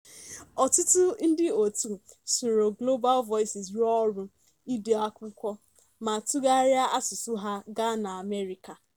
Ọtụtụ ndị òtù soro Global Voices rụọ ọrụ ide akụkọ ma tụgharịa asụsụ ha gaa na Amhariiki.